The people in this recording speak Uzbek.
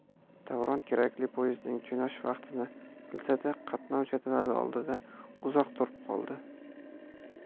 davron kerakli poezdning jo'nash vaqtini bilsa da qatnov jadvali oldida uzoq turib qoldi